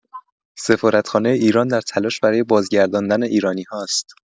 سفارتخانه ایران در تلاش برای بازگرداندن ایرانی هاست.